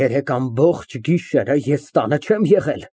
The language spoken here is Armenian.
Երեկ ամբողջ գիշերը ես տանը չեմ եղել։